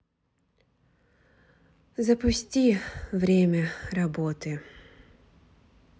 запусти время работы